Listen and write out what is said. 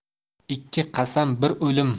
ikki qasam bir o'lim